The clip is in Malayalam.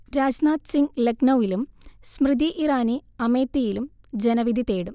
രാജ്നാഥ് സിംഗ് ലക്നൌവിലും സ്മൃതി ഇറാനി അമേത്തിയിലും ജനവിധി തേടും